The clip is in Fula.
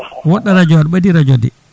woɗɗo radio o aɗa ɓaadi radio o de